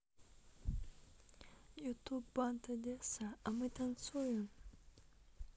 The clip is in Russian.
youtube банд одесса а мы танцуем